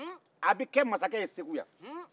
a bɛ ke masakɛ ye segu yan